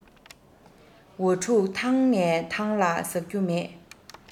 ཝ ཕྲུག ཐང ནས ཐང ལ ཟག རྒྱུ མེད